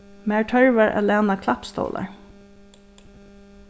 mær tørvar at læna klappstólar